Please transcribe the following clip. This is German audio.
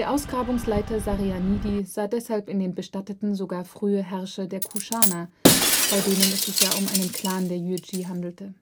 Ausgrabungsleiter Sarianidi sah deshalb in den Bestatteten sogar frühe Herrscher der Kuschana, bei denen es sich ja um einen Clan der Yuezhi handelte